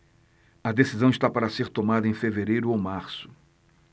a decisão está para ser tomada em fevereiro ou março